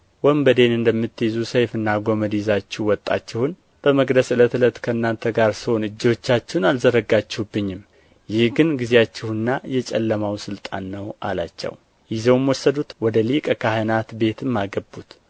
ወንበዴን እንደምትይዙ ሰይፍና ጐመድ ይዛችሁ ወጣችሁን በመቅደስ ዕለት ዕለት ከእናንተ ጋር ስሆን እጆቻችሁን አልዘረጋችሁብኝም ይህ ግን ጊዜያችሁና የጨለማው ሥልጣን ነው አላቸው ይዘውም ወሰዱት ወደ ሊቀ ካህናት ቤትም አገቡት